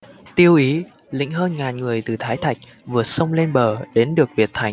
tiêu ý lĩnh hơn ngàn người từ thái thạch vượt sông lên bờ đến được việt thành